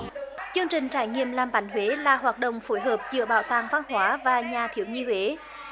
chương trình trải nghiệm làm bánh huế là hoạt động phối hợp giữa bảo tàng văn hóa và nhà thiếu nhi huế